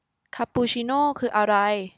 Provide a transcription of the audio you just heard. คาปูชิโน่คืออะไร